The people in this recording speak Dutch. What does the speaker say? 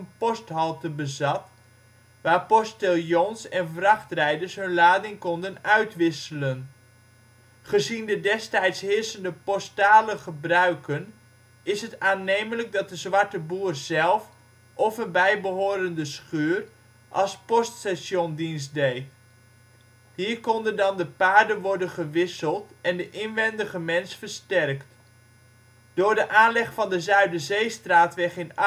posthalte bezat, waar postilions en vrachtrijders hun lading konden uitwisselen. Gezien de destijds heersende postale gebruiken is het aannemelijk dat De Zwarte Boer zelf of een bijbehorende schuur als poststation dienst deed. Hier konden dan de paarden worden gewisseld en de inwendige mens versterkt. Door de aanleg van de Zuiderzeestraatweg in